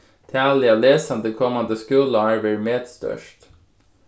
talið av lesandi komandi skúlaár verður metstórt